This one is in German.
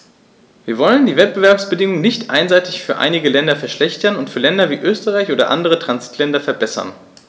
Wir wollen die Wettbewerbsbedingungen nicht einseitig für einige Länder verschlechtern und für Länder wie Österreich oder andere Transitländer verbessern.